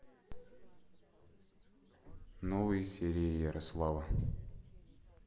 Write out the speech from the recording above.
новые серии ярослава